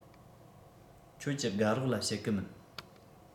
ཁྱོད ཀྱི དགའ རོགས ལ བཤད གི མིན